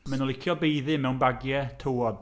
Maen nhw'n licio baeddu mewn bagiau tywod